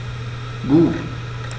Gut.